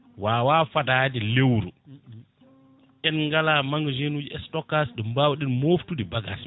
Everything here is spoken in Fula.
wawa fadade lewru en gala magasin uji stockage ɗo mbawɗen moftude bagages men